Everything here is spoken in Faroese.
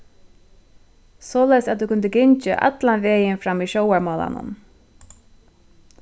soleiðis at tú kundi gingið allan vegin fram við sjóvarmálanum